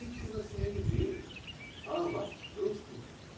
Речь у нас не о евреях, а о вас, русских.